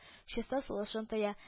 Чиста сулышын тоя, к